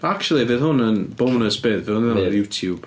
Acshyli, bydd hwn yn bonws bydd. Bydd hwn ar YouTube.